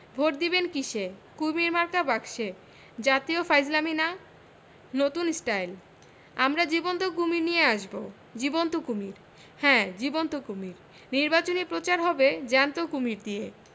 vote দিবেন কিসে কুমীর মার্কা বাক্সে জাতীয় ফাজলামী না নতুন স্টাইল আমরা জীবন্ত কুমীর নিয়ে আসব জীবন্ত কুমীর হ্যাঁ জীবন্ত কুমীর নির্বাচনী প্রচার হবে জ্যান্ত কুমীর দিয়ে